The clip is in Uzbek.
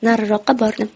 nariroqqa bordim